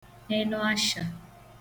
enụasha